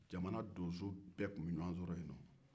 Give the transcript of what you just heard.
jamana donso bɛɛ tun ɲɔgɔn sɔrɔ o la